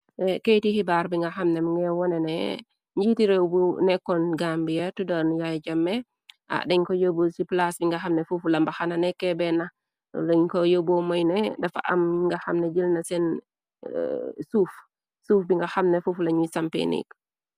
Keyti xibaar bi nga xamna nge wone ne njiiti réew bu nekkoon gambia tudarnu yaay jamme.Deñ ko yobbul ci plaas bi nga xamne fuufu la mbaxana nekke bena.Deñ ko yobboo moyne dafa am nga xamne jëlna seen suuf bi nga xamne fuufu lañuy sampeenik.